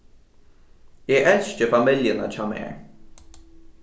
eg elski familjuna hjá mær